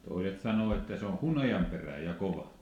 toiset sanoo että se on hunajan perään ja kova